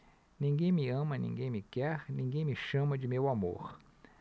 ninguém me ama ninguém me quer ninguém me chama de meu amor